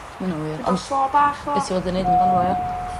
Ma wnna'n wir on'... Fel llo bach . ...be' ti fod i neud amdano fo ia?